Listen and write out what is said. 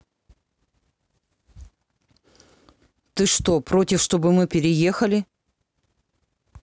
ты что против чтобы мы переехали